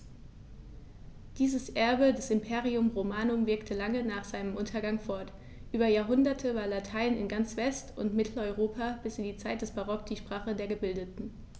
Dieses Erbe des Imperium Romanum wirkte lange nach seinem Untergang fort: Über Jahrhunderte war Latein in ganz West- und Mitteleuropa bis in die Zeit des Barock die Sprache der Gebildeten.